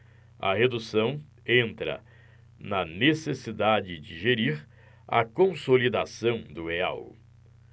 a redução entra na necessidade de gerir a consolidação do real